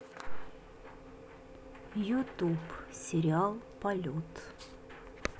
ютуб сериал полет